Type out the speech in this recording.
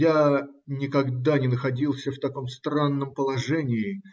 Я никогда не находился в таком странном положении.